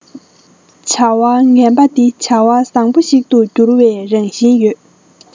བྱ བ ངན པ འདི བྱ བ བཟང པོ ཞིག ཏུ འགྱུར བའི རང བཞིན ཡོད